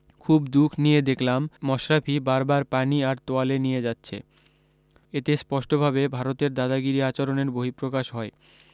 খুব দুখ নিয়ে দেখলাম মশরাফি বারবার পানি আর তোয়ালে নিয়ে যাচ্ছে এতে স্পষ্টভাবে ভারতের দাদাগিরি আচরণের বহিপ্রকাশ হয়